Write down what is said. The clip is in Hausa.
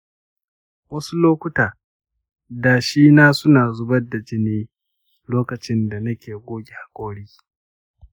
wasu lokuta dashi na suna zubar da jini lokacin da nake goge haƙori.